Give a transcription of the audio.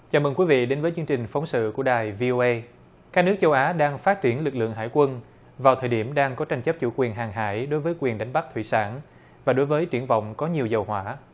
chào mừng quý vị đến với chương trình phóng sự của đài vi ô ây các nước châu á đang phát triển lực lượng hải quân vào thời điểm đang có tranh chấp chủ quyền hàng hải đối với quyền đánh bắt thủy sản và đối với triển vọng có nhiều dầu hỏa